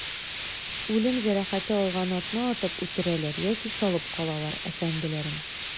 Үлем җәрәхәте алган атны атып үтерәләр яки чалып калалар, әфәнделәрем.